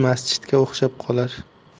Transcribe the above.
masjidga o'xshab qolar